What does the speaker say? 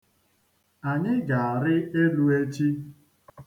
Anyị ga-arị elu echi.